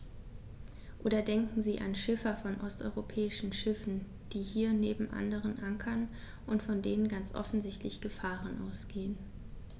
Oder denken Sie an Schiffer von osteuropäischen Schiffen, die hier neben anderen ankern und von denen ganz offensichtlich Gefahren ausgehen.